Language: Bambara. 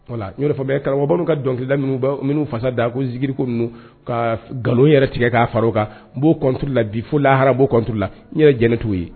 Wala y'ofɛ bɛ karamɔgɔbanw ka dɔnkilikila minnuu fasa da ko ziiririko ninnu ka nkalon yɛrɛ tigɛ k'a fara kan b'otu la bi fo lahara b'tu la n yɛrɛ jɛnɛ t'u ye